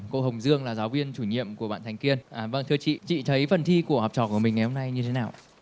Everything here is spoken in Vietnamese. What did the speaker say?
cô hồng dương là giáo viên chủ nhiệm của bạn thành kiên vâng thưa chị chị thấy phần thi của học trò của mình ngày hôm nay như thế nào